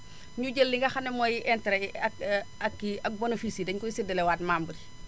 ñu jël li nga xam ne mooy interet yi ak ak kii ak bénéfice yi daénu koy séddalewaat membres yi